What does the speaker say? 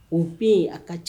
O bee ye a ka c